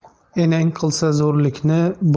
enang qilsa zo'rlikni